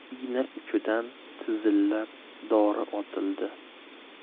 igna uchidan tizillab dori otildi